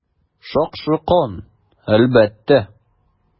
Шакшы кан, әлбәттә.